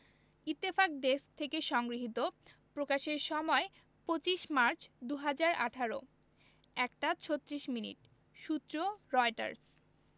Ittefaq desk থেকে সংগৃহীত প্রকাশের সময় ২৫মার্চ ২০১৮ ১ টা ৩৬ মিনিট সূত্রঃ রয়টার্স